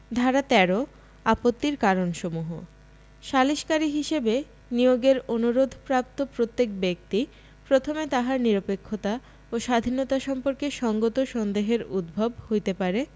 ধারা ১৩ আপত্তির কারণসমূহ সালিসকারী হিসাবে নিয়োগের অনুরোধ প্রাপ্ত প্রত্যেক ব্যক্তি প্রথম তাহার নিরপেক্ষতা ও স্বাধীনতা সম্পর্কে সঙ্গত সন্দেহের উদ্ভব হইতে পারে